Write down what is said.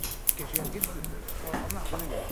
Gesh i ergyd dd- yy o o ofnadwy ddeu gwir.